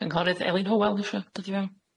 Cynghorydd Elin Hywel isio dod i fewn.